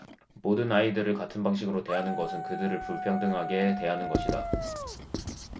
모든 아이들을 같은 방식으로 대하는 것은 그들을 불평등하게 대하는 것이다